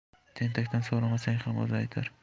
tentakdan so'ramasang ham o'zi aytar